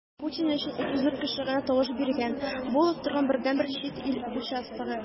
Путин өчен 34 кеше генә тавыш биргән - бу ул оттырган бердәнбер чит ил участогы.